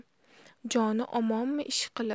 joni omonmi ishqilib